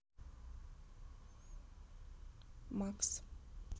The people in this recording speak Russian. макс